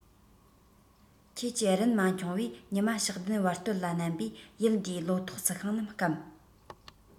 ཁྱིད ཀྱི རིན མ འཁྱོངས བས ཉི མ ཞག བདུན བར སྟོད ལ མནན པས ཡུལ འདིའི ལོ ཏོག རྩི ཤིང རྣམས བསྐམས